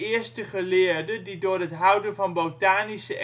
eerste geleerde die door het houden van botanische